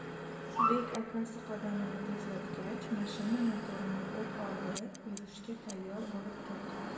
bek akasi qadamini tezlatgach mashina motorini o't oldirib yurishga tayyor bo'lib turdi